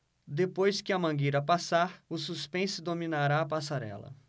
depois que a mangueira passar o suspense dominará a passarela